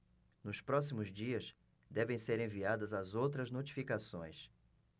nos próximos dias devem ser enviadas as outras notificações